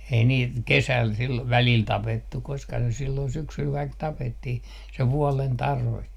ei niitä kesällä silloin välillä tapettu koska se silloin syksyllä kaikki tapettiin se vuoden tarve